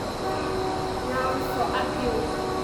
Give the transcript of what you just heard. Grounds for appeal